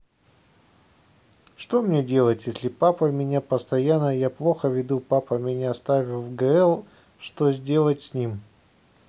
что мне делать если папа меня постоянно я плохо веду папа меня ставит в гл что сделать с ним